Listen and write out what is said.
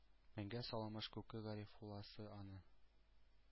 Мәңге салымыш Күке Гарифулласы аны